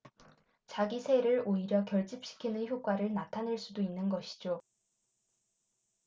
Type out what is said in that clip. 자기 세를 오히려 결집시키는 효과를 나타낼 수도 있는 것이죠